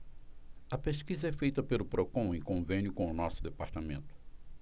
a pesquisa é feita pelo procon em convênio com o diese